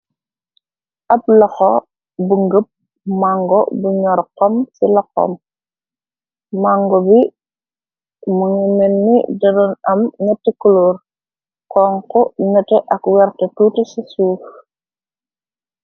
Ab loxo bu ngëp màngo bu ñoor xom ci la xom. Mango bi mun menni dëran am netti kuloor konku ,nete ak werte tuute ci suuf.